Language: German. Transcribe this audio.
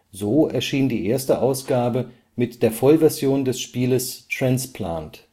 So erschien die erste Ausgabe mit der Vollversion des Spieles Transplant